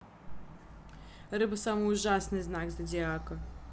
рыба самый ужасный знак зодиака